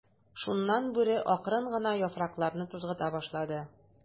Шуннан Бүре акрын гына яфракларны тузгыта башлады.